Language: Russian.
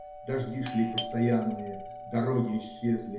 Дожди шли постоянные, дороги исчезли